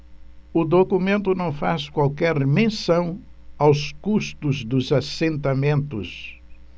o documento não faz qualquer menção aos custos dos assentamentos